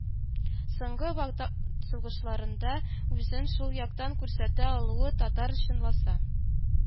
Соңгы ватан сугышларында үзен шул яктан күрсәтә алуы, татар, чынласа,